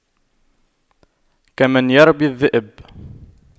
كمن يربي الذئب